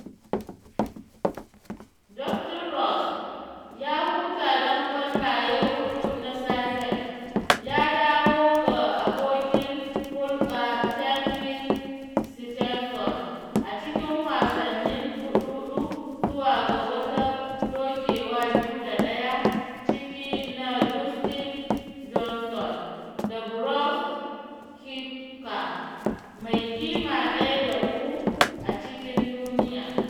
Justin Rose, ya huta don ƙwallaye huɗu na safen, ya dawo ga abokin hulɗa Henrik Stenson a cikin wasannin huɗu-huɗu zuwa ga wata dokewa 2 da 1 ci na Dustin Johnson da Brooks Koepka - mai kima ɗaya da uku a cikin duniya.